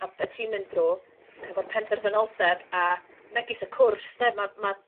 a be' ti'n mynd drw hefo'r penderfynoldeb a megis y cwrs 'de ma' ma'